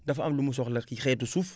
dafa am lu mu soxla ci xeetu suuf